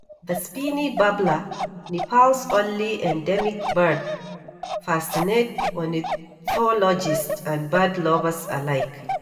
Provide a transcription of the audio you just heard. The Spiny Babbler, Nepal's only endemic bird, fascinates ornithologists and bird lovers alike